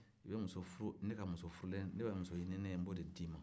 i bɛ muso furu ne ka muso furulen ne ka muso ɲininen n b'o de d'i ma